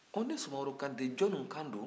ko ne sumaworo kantɛ jɔnni kan don